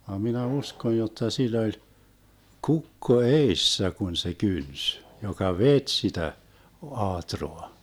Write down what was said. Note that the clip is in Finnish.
vaan minä uskon jotta sillä oli kukko edessä kun se kynti joka veti sitä aatraa